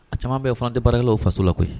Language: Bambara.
A caman bɛ fana tɛ baaralaw o faso la koyi